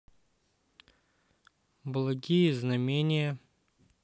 благие знамения